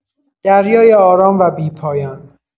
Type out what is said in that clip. دریای آرام و بی‌پایان